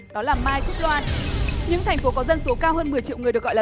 đó là mai thúc loan những thành phố có dân số cao hơn mười triệu người được gọi là